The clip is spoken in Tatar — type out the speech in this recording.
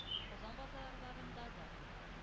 Казан базарларында да